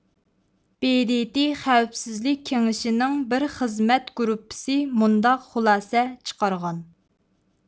بې دې تې خەۋپسىزلىك كېڭىشىنىڭ بىر خىزمەت گۇرۇپپىسى مۇنداق خۇلاسە چىقارغان